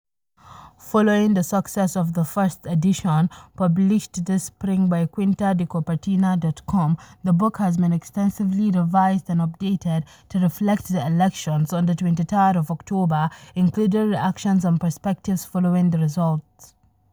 Following the success of the first edition, published this spring by quintadicopertina.com, the book has been extensively revised and updated to reflect the elections on the 23rd of October, including reactions and perspectives following the results.